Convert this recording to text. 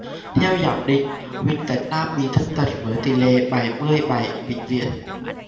theo giám định huỳnh tấn nam bị thương tật với tỉ lệ bảy mươi bảy vĩnh viễn